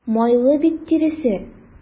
Майлы бит тиресе.